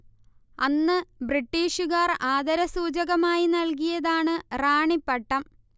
അന്ന് ബ്രിട്ടീഷുകാർ ആദരസൂചകമായി നൽകിയതാണ് റാണി പട്ടം